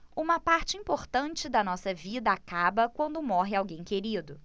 uma parte importante da nossa vida acaba quando morre alguém querido